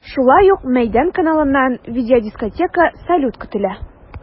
Шулай ук “Мәйдан” каналыннан видеодискотека, салют көтелә.